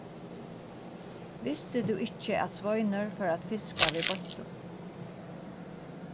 visti tú ikki at sveinur fór at fiska við beintu